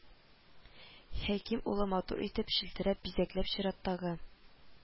Хәким улы матур итеп, челтәрләп, бизәкләп чираттагы